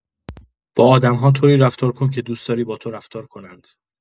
با آدم‌ها طوری رفتار کن که دوست‌داری با تو رفتار کنند!